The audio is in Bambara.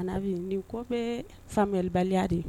A bi nin kɔ bɛ faamuyalibaliya de